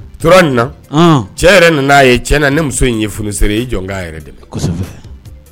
Tora in na cɛ yɛrɛ nana aa ye cɛ na ne muso in ye fsere i jɔn'a yɛrɛ dɛmɛ